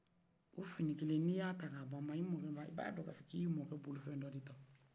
o fini kele ni ya ta k'a baban i ba dɔ k'i ye mɔkɛ bolo fen dɔ de ta o